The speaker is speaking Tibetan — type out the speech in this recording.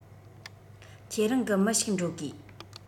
ཁྱེད རང གི མི ཞིག འགྲོ དགོས